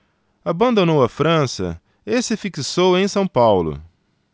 abandonou a frança e se fixou em são paulo